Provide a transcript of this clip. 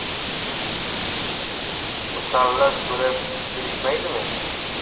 musallas so'rab kelishmaydimi